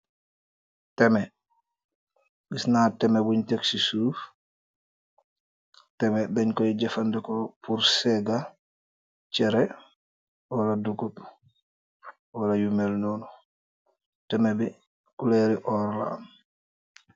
Tameh giss na tameh bung teg si soof tameh deng koi jefendeko pul seega chereh wala dogomb wala yu mell nonu tameh bi coluri oor la aam